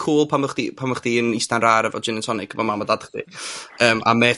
cŵl pam o' chdi pam o chdi'n ista'n rar efo gin and tonic efo mam a dad chdi, yym a mêts